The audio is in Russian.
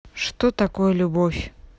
что такое любовь